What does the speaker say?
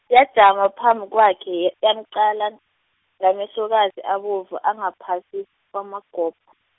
yajama phambi kwakhe y- yamqala, ngamehlokazi abovu angaphasi, kwamagobh-.